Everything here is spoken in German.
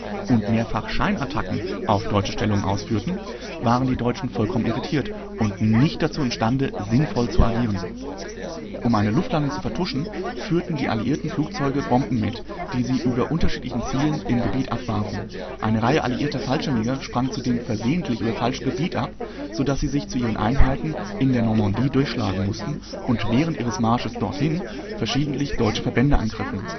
Scheinattacken auf deutsche Stellungen ausführten, waren die Deutschen vollkommen irritiert und nicht dazu imstande, sinnvoll zu agieren. Um eine Luftlandung zu vertuschen, führten die alliierten Flugzeuge Bomben mit, die sie über unterschiedlichen Ziele im Gebiet abwarfen. Eine Reihe alliierter Fallschirmjäger sprang zudem versehentlich über falschem Gebiet ab, so dass sie sich zu ihren Einheiten in der Normandie durchschlagen mussten und während ihres Marsches dorthin verschiedentlich deutsche Verbände angriffen